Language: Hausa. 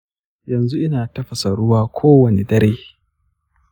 yanzu ina tafasa ruwa kowane dare